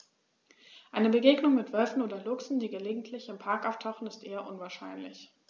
Eine Begegnung mit Wölfen oder Luchsen, die gelegentlich im Park auftauchen, ist eher unwahrscheinlich.